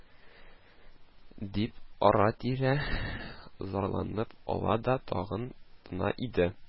– дип, ара-тирә зарланып ала да тагы тына иде